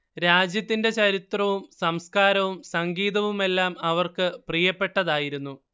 രാജ്യത്തിന്റെ ചരിത്രവും സംസ്കാരവും സംഗീതവുമെല്ലാം അവർക്ക് പ്രിയപ്പെട്ടതായിരുന്നു